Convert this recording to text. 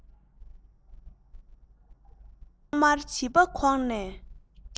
ཐོག མར བྱིས པ གོག ནས